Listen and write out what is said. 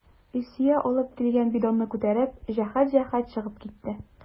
Илсөя алып килгән бидонны күтәреп, җәһәт-җәһәт чыгып китте.